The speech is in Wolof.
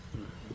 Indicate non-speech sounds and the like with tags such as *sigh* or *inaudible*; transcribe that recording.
*hesitation* *hesitation*